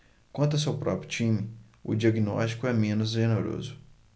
quanto ao seu próprio time o diagnóstico é menos generoso